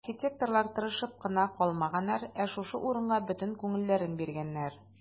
Архитекторлар тырышып кына калмаганнар, ә шушы урынга бөтен күңелләрен биргәннәр.